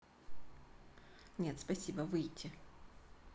нет спасибо выйти